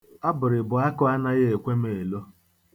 Abụrịbụ akụ anaghị ekwe m elo.